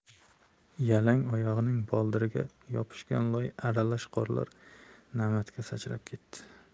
yalang oyog'ining boldiriga yopishgan loy aralash qorlar namatga sachrab ketdi